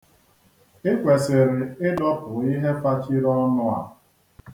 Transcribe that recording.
Ị kwesịrị ịdọpụ ihe fachiri ọnụ a.